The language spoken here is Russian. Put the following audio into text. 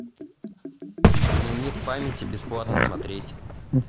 дневник памяти бесплатно смотреть